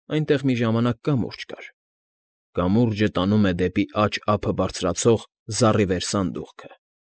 Այնտեղ մի ժամանակ կամուրջ կար։ Կամուրջը տանում է դեպի աջ ափը բարձրացող զառիվեր սանդուղքը։